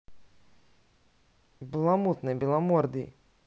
баламутный беломордый